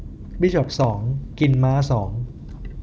บิชอปสองกินม้าสอง